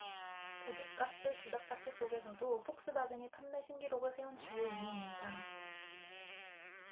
배기가스 조작사태 속에서도 폭스바겐이 판매 신기록을 세운 주요 이유입니다